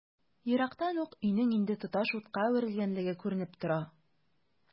Ерактан ук өйнең инде тоташ утка әверелгәнлеге күренеп тора.